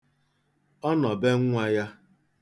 Ọ nọ be nnwa ya.